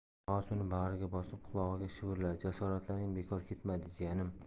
tog'asi uni bag'riga bosib qulog'iga shivirladi jasoratlaring bekor ketmadi jiyanim